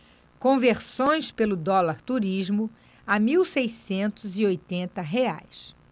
conversões pelo dólar turismo a mil seiscentos e oitenta reais